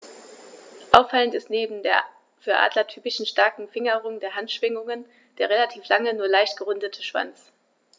Auffallend ist neben der für Adler typischen starken Fingerung der Handschwingen der relativ lange, nur leicht gerundete Schwanz.